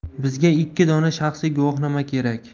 bizga ikki dona shaxsiy guvohnoma kerak